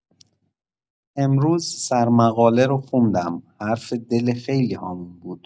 امروز سرمقاله رو خوندم، حرف دل خیلی‌هامون بود.